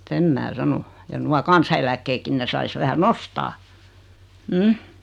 sen minä sanon ja nuo kansaneläkkeetkin ne saisi vähän nostaa mm